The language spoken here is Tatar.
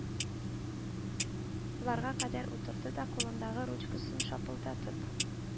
Ларга кадәр утырды да кулындагы ручкасын шапылдатып